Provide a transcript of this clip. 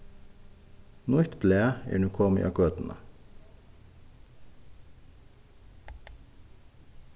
nýtt blað er nú komið á gøtuna